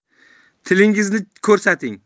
tilingizni ko'rsating